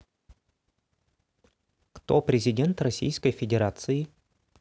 кто президент российской федерации